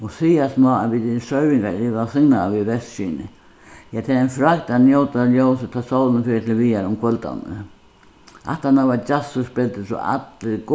og sigast má at vit sørvingar eru vælsignaðir við vesturskini ja tað er ein fragd at njóta ljósið tá sólin fer til viðar um kvøldarnar aftaná varð djassur spældur so allir